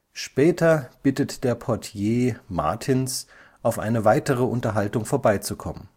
Später bittet der Portier Martins, auf eine weitere Unterhaltung vorbeizukommen